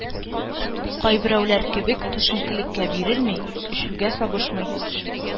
Кайберәүләр кебек төшенкелеккә бирелми, эчүгә сабышмый.